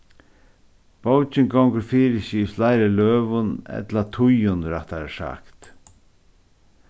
bókin gongur fyri seg í fleiri løgum ella tíðum rættari sagt